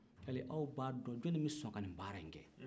yali aw b'a dn jonni bɛ son ka nin baara in kɛ